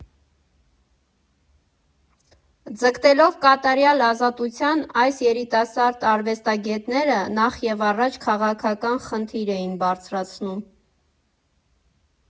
Ձգտելով կատարյալ ազատության, այս երիտասարդ արվեստագետները նախևառաջ քաղաքական խնդիր էին բարձրացնում.